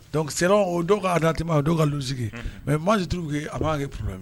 Dɔnkuc se o don k'a dati o don ka sigi mɛ maa si a b'a kɛ